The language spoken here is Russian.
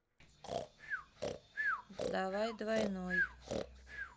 давай двойной